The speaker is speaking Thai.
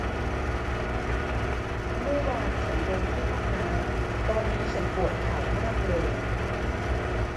เมื่อวานฉันล้มที่ห้องน้ำตอนนี้ฉันปวดเข่ามากเลย